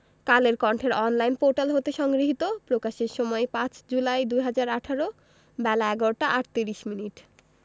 কালের কন্ঠের online portal হতে সংগৃহীত প্রকাশের সময় ৫ জুলাই ২০১৮ বেলা ১১টা ৩৮ মিনিট